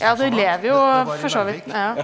ja det lever jo for så vidt ja.